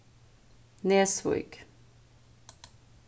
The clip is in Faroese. nesvík